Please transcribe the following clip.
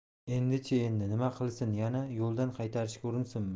endichi endi nima qilsin yana yo'ldan qaytarishga urinsinmi